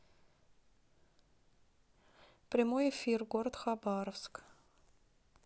прямой эфир город хабаровск